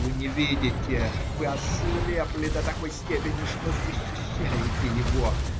- Вы не видите, вы ослепли до такой степени, что защищаете его.